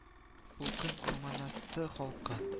Ул көн Урманасты халкы